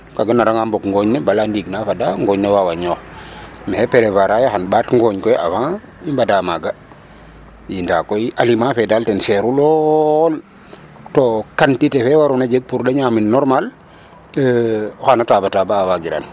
Kaga naranga mbog ngooñ ne bala ndiig ne fada ngooñ ne wa wañoox maxey prévoir aye xaam ɓaat ngooñ koy avant i mbada maaga ndaa koy aliment fe daal ten chére u lool to quantité fe waroona jeg pour de ñaam normale o xana taba taba a waagiran